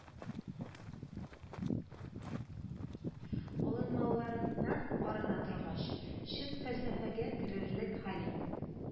Алынмаларыннан арына торгач, чын фәлсәфәгә керерлек, «гали